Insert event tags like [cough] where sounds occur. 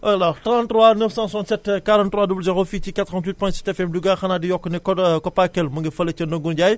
alors 33 967 43 00 fii ci 88 point 7 FM Louga xanaan di yokk kon [hesitation] COPACEL mu ngi fële ca Ndongur Ndiaye